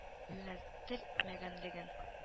Юнәлтелмәгәнлеген